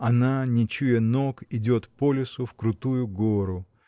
Она, не чуя ног, идет по лесу в крутую гору